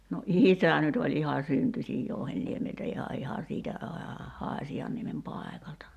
no isä nyt oli ihan syntyisin Jouhenniemeltä ihan ihan siitä - Haasianniemen paikalta